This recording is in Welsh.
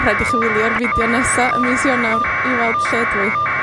Rhaid i chi wylio'r fideo nesa ym mis Ionawr i weld lle ydw i.